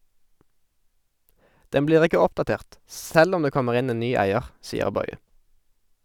Den blir ikke oppdatert, selv om det kommer inn en ny eier, sier Boye.